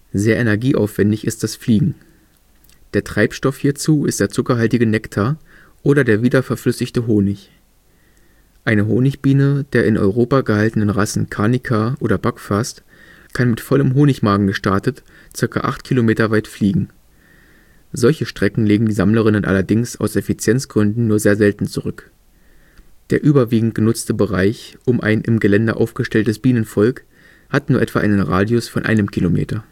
Sehr energieaufwändig ist das Fliegen. Der „ Treibstoff “hierzu ist der zuckerhaltige Nektar oder der wiederverflüssigte Honig. Eine Honigbiene der in Europa gehaltenen Rassen Carnica oder Buckfast kann mit vollem Honigmagen gestartet ca. acht Kilometer weit fliegen. Solche Strecken legen die Sammlerinnen allerdings aus Effizienzgründen nur sehr selten zurück. Der überwiegend genutzte Bereich um ein im Gelände aufgestelltes Bienenvolk hat nur etwa einen Radius von einem Kilometer